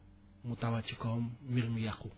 mu tawaat ci kawam mbir mi yàqu